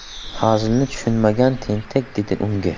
hazilni tushunmagan tentak dedi unga